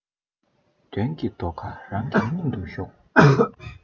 དོན གྱི རྡོ ཁ རང གི སྙིང དུ ཞོག